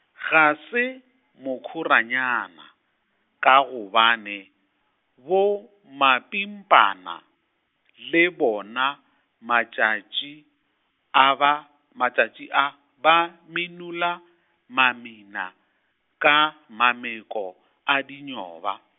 ga se, mokhoranyana, ka gobane, bomapimpana, le bona, matšatši a ba, matšatši a, ba minola, mamina, ka, mameko, a dinyoba.